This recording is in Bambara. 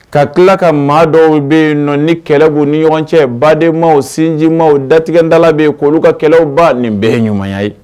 Ka tila ka maa dɔw bɛ yen nɔ ni kɛlɛbuu ni ɲɔgɔn cɛ badenma sinjima datigɛdala bɛ yen k'olu kakɛlawba nin bɛɛ ɲumanya ye